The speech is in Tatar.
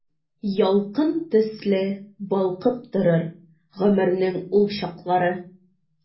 Ялкын төсле балкып торыр гомернең ул чаклары.